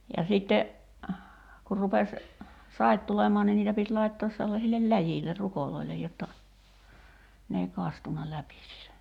ja sitten kun rupesi saivat tulemaan niin niitä piti laittaa sellaisille läjille ruoille jotta ne ei kastunut läpi